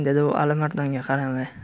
dedi u alimardonga qaramay